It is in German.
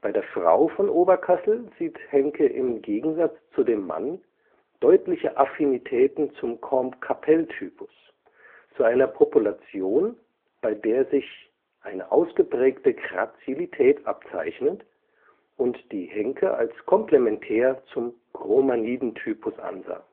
der Frau von Oberkassel sieht Henke im Gegensatz zu dem Mann deutliche Affinitäten zum Combe-Capelle-Typus, zu einer Population, bei der sich „ eine ausgeprägte Grazilität abzeichnet “und die Henke als komplementär zum cromagniden Typus ansah